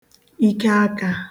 ikeakā